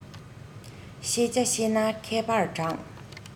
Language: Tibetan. ཤེས བྱ ཤེས ན མཁས པར བགྲང